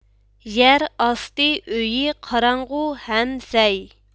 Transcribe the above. يەرئاستى ئۆيى قاراڭغۇ ھەم زەي